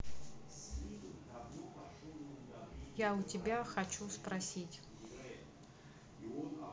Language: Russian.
я у тебя хочу спросить